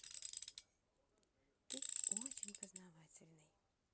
ты очень познавательный